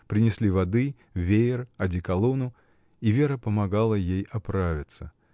Принесли воды, веер, одеколону — и Вера помогла ей оправиться.